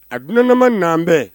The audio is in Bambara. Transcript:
A dunanma na bɛn